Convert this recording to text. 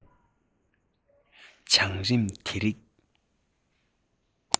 བྱུང རིམ དེ རིགས